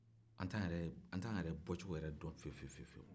an t'an yɛrɛ an t'an yɛrɛ bɔcogo yɛrɛ dɔn fiyewu fiyewu